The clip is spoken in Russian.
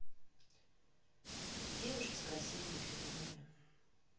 девушки с красивыми фигурами